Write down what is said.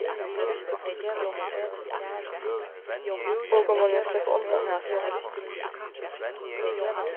okur munna sleppa undan hasum